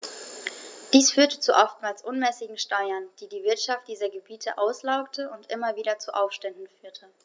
Dies führte zu oftmals unmäßigen Steuern, die die Wirtschaft dieser Gebiete auslaugte und immer wieder zu Aufständen führte.